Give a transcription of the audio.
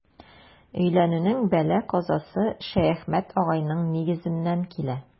Өйләнүнең бәла-казасы Шәяхмәт агайның нигезеннән килә.